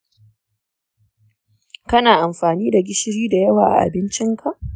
kana amfani da gishiri da yawa a abincinka?